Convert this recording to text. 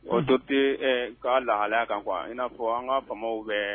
Ko dɔte k'a laya kan kuwa in n'a fɔ an ka faw bɛɛ